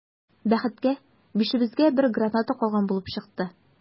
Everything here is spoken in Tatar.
Бәхеткә, бишебезгә бер граната калган булып чыкты.